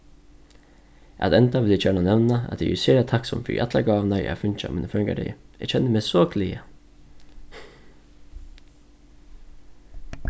at enda vil eg gjarna nevna at eg eri sera takksom fyri allar gávurnar eg havi fingið á mínum føðingardegi eg kenni meg so glaða